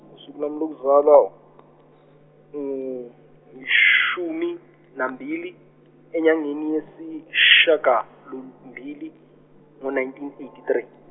usuku lokuzalwa yishumi nambili enyangeni yesishakalombili, no- nineteen eighty three.